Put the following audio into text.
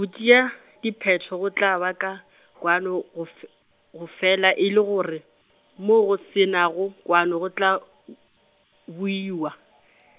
go tšea , diphetho go tla ba ka, kwano go f-, go fela e le gore, moo go se nago kwano go tla , buiwa .